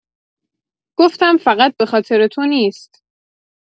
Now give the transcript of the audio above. گفتم: «فقط به‌خاطر تو نیست.»